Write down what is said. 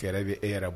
Yɛrɛ bɛ e yɛrɛ